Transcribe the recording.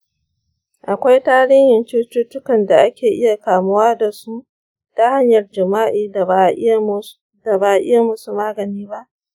akwai tarihin cututtukan da ake iya kamuwa da su ta hanyar jima’i da ba a yi musu magani ba?